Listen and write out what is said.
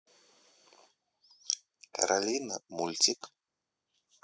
королина мультик